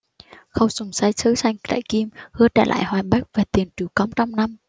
khâu sùng sai sứ sang trại kim hứa trả lại hoài bắc và tiền triều cống trong năm